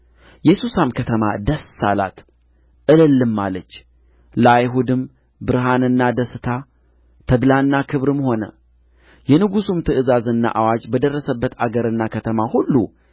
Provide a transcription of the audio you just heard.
የሱሳም ከተማ ደስ አላት እልልም አለች ለአይሁድም ብርሃንና ደስታ ተድላና ክብርም ሆነ የንጉሡም ትእዛዝና አዋጅ በደረሰበት አገርና ከተማ ሁሉ